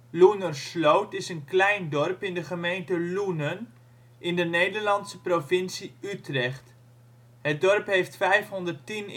Loenersloot is een klein dorp in de gemeente Loenen, in de Nederlandse provincie Utrecht. Het dorp heeft 510 inwoners